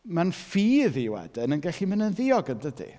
Ma'n ffydd i wedyn yn gallu mynd yn ddiog yn dydi?